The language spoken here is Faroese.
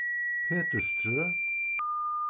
peturstrøð